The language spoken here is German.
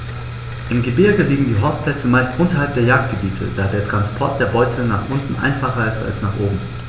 Im Gebirge liegen die Horstplätze meist unterhalb der Jagdgebiete, da der Transport der Beute nach unten einfacher ist als nach oben.